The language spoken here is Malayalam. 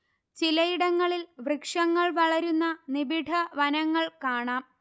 ചിലയിടങ്ങളിൽ വൃക്ഷങ്ങൾ വളരുന്ന നിബിഡ വനങ്ങൾ കാണാം